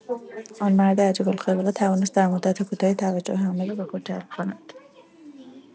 آن مرد عجیب‌الخلقه توانست در مدت کوتاهی توجه همه را به خود جلب کند.